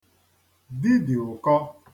Di dị ụkọ.